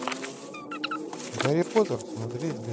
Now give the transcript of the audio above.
гарри поттер смотреть бесплатно